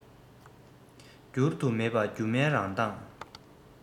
བསྒྱུར དུ མེད པ སྒྱུ མའི རང མདངས